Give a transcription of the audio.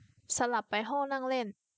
สลับไปห้องนั่งเล่น